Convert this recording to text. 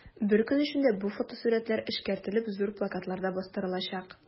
Бер көн эчендә бу фотосурәтләр эшкәртелеп, зур плакатларда бастырылачак.